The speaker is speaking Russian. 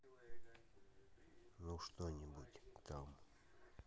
ну что нибудь там